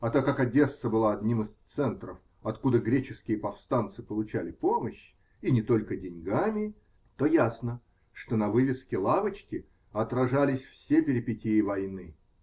А так как Одесса была одним из центров, откуда греческие повстанцы получали помощь, -- и не только деньгами, -- то ясно, что на вывеске лавочки отражались все перипетии войны.